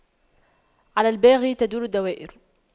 على الباغي تدور الدوائر